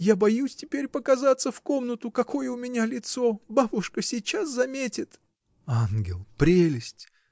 — Я боюсь теперь показаться в комнату: какое у меня лицо — бабушка сейчас заметит. — Ангел! прелесть!